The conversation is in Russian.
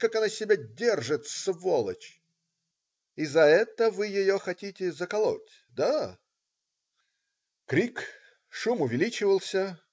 как она себя держит, сволочь!" - "И за это вы ее хотите заколоть? Да?" Крик, шум увеличивался.